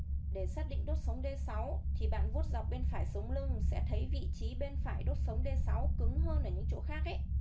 để xác định đốt sống d thì bạn vuốt dọc bên phải sống lưng sẽ thấy vị trí bên phải đốt sống d cứng hơn những chỗ khác ấy